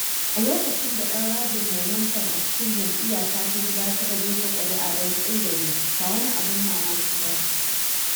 A lokacin da ‘yan rajin Momentum a cikin jam’iyyata ta gida suka jefa kuri’a don tsaida ni, ba wani abin mamaki ne ba.